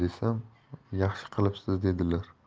desam 'yaxshi qilibsiz' dedilar